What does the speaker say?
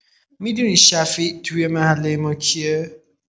می‌دونی شفیع توی محلۀ ما کیه؟